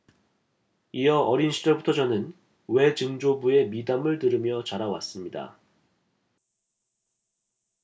이어 어린 시절부터 저는 외증조부의 미담을 들으며 자라왔습니다